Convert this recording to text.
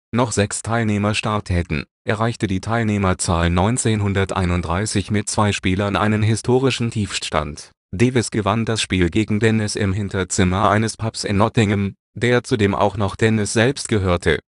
noch sechs Teilnehmer starteten, erreichte die Teilnehmerzahl 1931 mit zwei Spielern einen historischen Tiefststand. Davis gewann das Spiel gegen Dennis im Hinterzimmer eines Pubs in Nottingham, der zudem auch noch Dennis selbst gehörte